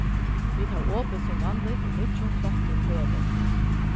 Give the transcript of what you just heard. vit hava opið sum vanligt í nýggjum flottum hølum